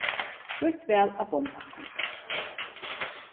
frítt val av bommpakkum